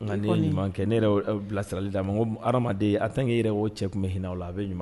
Nka n'i ye ɲuman kè, ne yɛrɛ ye bilasirali caaman d'a ma nk'o hadamaden , en tant que e yɛrɛ ko ko cɛ tun bɛ hinɛ aw la,a je ɲuman